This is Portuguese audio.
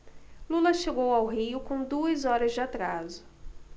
lula chegou ao rio com duas horas de atraso